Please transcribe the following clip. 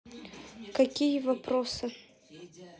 какие вопросы